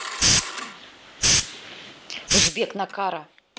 узбек накара